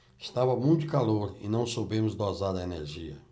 estava muito calor e não soubemos dosar a energia